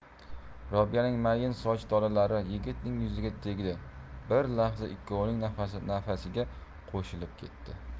robiyaning mayin soch tolalari yigitning yuziga tegdi bir lahza ikkovining nafasi nafasiga qo'shilib ketdi